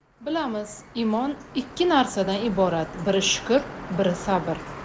bilamiz imon ikki narsadan iborat biri shukr biri sabr